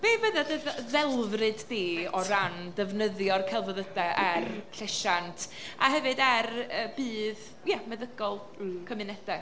be fydd dy dd- ddelfryd di... reit. ...o ran defnyddio'r celfyddydau er llesiant a hefyd er yy bydd, ia, meddygol... m-hm. ...cymunedau?